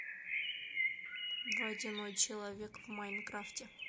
водяной человек в майнкрафте